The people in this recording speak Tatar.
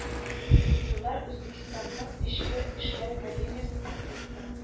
Еллар үзбәкстанның эчке эшләр академиясе профессоры